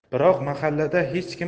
biroq mahallada hech